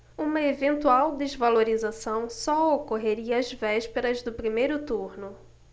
uma eventual desvalorização só ocorreria às vésperas do primeiro turno